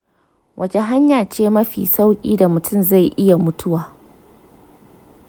wace hanya ce mafi sauƙi da mutum zai iya mutuwa?